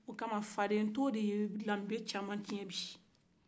o kama fadento de ye dambe cama tiɲɛ bi